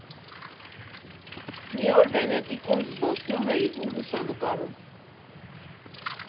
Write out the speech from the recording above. Մի օր Վենետիկում զբոսնում էի ու լուսանկարում։